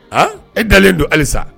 A e dalen don halisa